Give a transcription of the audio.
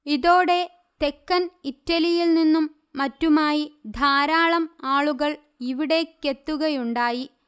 ഇതോടെ തെക്കൻ ഇറ്റലിയിൽനിന്നും മറ്റുമായി ധാരാളം ആളുകൾ ഇവിടേക്കെത്തുകയുണ്ടായി